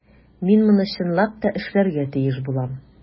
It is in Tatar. Мин моны чынлап та эшләргә тиеш булам.